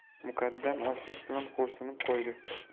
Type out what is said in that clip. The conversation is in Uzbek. muqaddam afsus bilan xo'rsinib qo'ydi